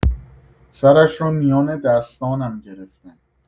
سرش را میان دستانم گرفتم.